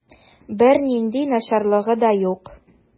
Бернинди начарлыгы да юк.